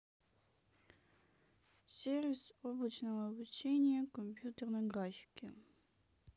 сервис облачного обучения компьютерной графики